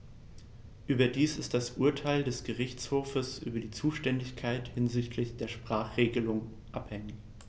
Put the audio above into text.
Überdies ist das Urteil des Gerichtshofes über die Zuständigkeit hinsichtlich der Sprachenregelung anhängig.